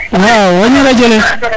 waaw wañi radio